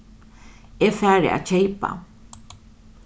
eg fari at keypa